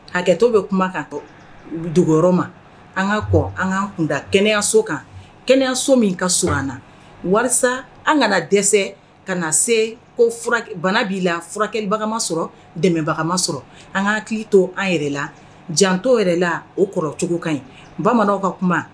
Hakɛto bɛ kuma ka dugu ma an ka kɔ an ka kunda kɛnɛyaso kan kɛnɛyaso min ka s an na walasa an kana dɛsɛ ka na se ko bana b'i la furakɛlibagama sɔrɔ dɛmɛbagama sɔrɔ an ka hakili to an yɛrɛ la jantɔ yɛrɛ la o kɔrɔcogo ka ɲi bamananw ka kuma